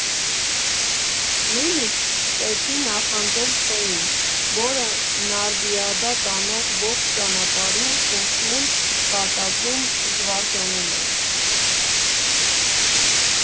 Նույնիսկ սկսեցի նախանձել Ֆ֊ին, որը Նարդիադա տանող ողջ ճանապարհին խոսում, կատակում, զվարճանում էր։